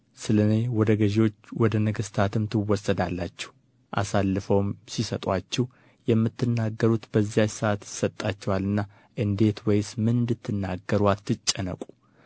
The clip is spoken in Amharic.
ስለ እኔ ወደ ገዥዎች ወደ ነገሥታትም ትወሰዳላችሁ አሳልፈውም ሲሰጡአችሁ የምትናገሩት በዚያች ሰዓት ይሰጣችኋልና እንዴት ወይስ ምን እንድትናገሩ አትጨነቁ